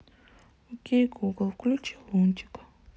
окей гугл включи лунтик